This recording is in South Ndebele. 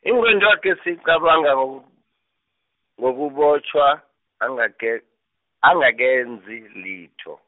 ingqondwakhe siqabanga ngoku-, ngokubotjhwa, angake- angakenzi litho.